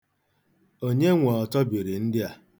Onye nwe ọtọbiri ndị a?